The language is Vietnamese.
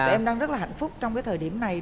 em đang rất là hạnh phúc trong cái thời điểm này